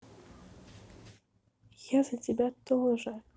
я за тебя тоже